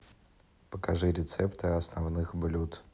покажи рецепты основных блюд